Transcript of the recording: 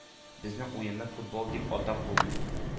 “безнең уенны футбол дип атап булмый.